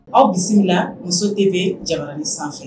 Aw bisimila min muso de bɛ jamana sanfɛ